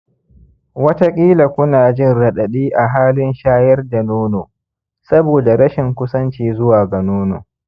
wataƙila ku na jin raɗaɗi a halin shayar da nono saboda rashin kusanci zuwa ga nono.